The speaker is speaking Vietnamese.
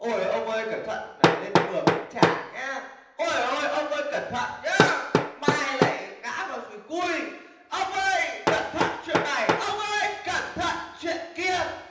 ôi ông ơi cẩn thận là lên phường uống trà nhá ôi trời ơi ông ơi cẩn thận nhá mai lại ngã và dùi cui ông ơi cẩn thận chuyện này ông ơi cẩn thận chuyện kia